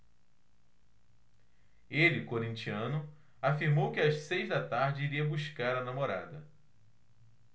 ele corintiano afirmou que às seis da tarde iria buscar a namorada